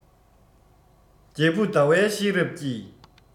རྒྱལ བུ ཟླ བའི ཤེས རབ ཀྱིས